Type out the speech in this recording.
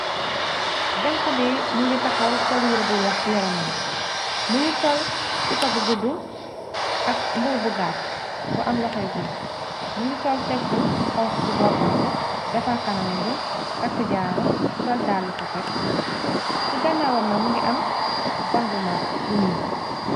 Janx bi mingi taxaw sol yire bu weex si yaramam bi, mingi sol sippa bu guddu ak mbubu bu gaatt, bu am loxo yu guddu, mungi sol teg bu xonxu si boppam bi, defar kanamam bi, takk jaaru, sol daale koket, si ganaawam nak mingi am bang bu mag bu nyuul.